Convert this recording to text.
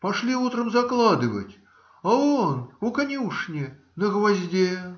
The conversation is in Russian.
Пошли утром закладывать, а он в конюшне на гвозде.